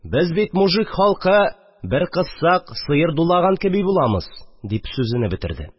Без бит мужик халкы, бер кызсак, сыер дулаган кеби буламыз, – дип сүзене бетерде